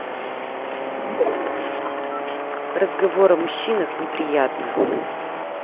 разговор о мужчинах неприятно